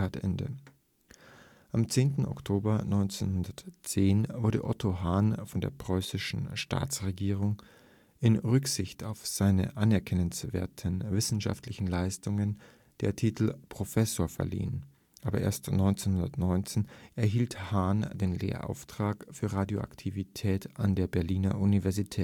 berühmt. “Am 10. Oktober 1910 wurde Otto Hahn von der Preußischen Staatsregierung in Rücksicht auf seine anerkennenswerten wissenschaftlichen Leistungen der Titel „ Professor “verliehen, aber erst 1919 erhielt Hahn den Lehrauftrag für Radioaktivität an der Berliner Universität